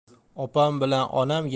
opam bilan onam